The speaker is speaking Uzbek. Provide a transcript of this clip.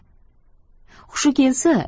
hushi kelsa